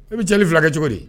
E bɛ cɛ ni fila kɛ cogo di